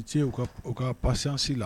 u ka u ka patience la